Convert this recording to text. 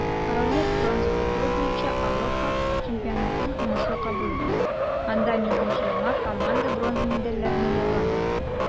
Корольлек бронза футбол буенча Ауропа чемпионатын уңышлы кабул итте, анда милли җыелма команда бронза медальләрне яулады.